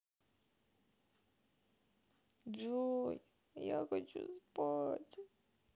джой я хочу спать